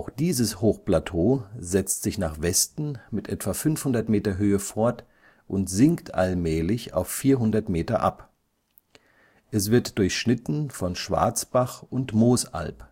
dieses Hochplateau setzt sich nach Westen mit etwa 500 m Höhe fort und sinkt allmählich auf 400 m ab. Es wird durchschnitten von Schwarzbach und Moosalb